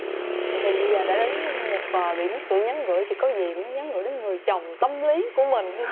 thì bây giờ đã đến một à bỉm sữa nhắn gửi chị có gì muốn nhắn gửi đến người chồng tâm lý của mình